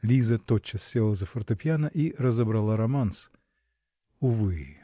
Лиза тотчас села за фортепьяно и разобрала романс. Увы!